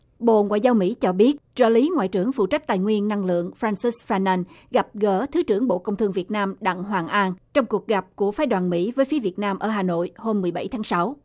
bộ ngoại giao mỹ cho biết trợ lý ngoại trưởng phụ trách tài nguyên năng lượng phờ ran xít phai nan gặp gỡ thứ trưởng bộ công thương việt nam đặng hoàng an trong cuộc gặp của phái đoàn mỹ với phía việt nam ở hà nội hôm mười bảy tháng sáu